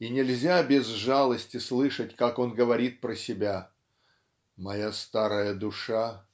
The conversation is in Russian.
И нельзя без жалости слышать, как он говорит про себя "Моя старая душа"